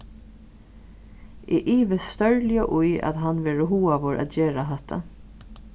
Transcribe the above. eg ivist stórliga í at hann verður hugaður at gera hatta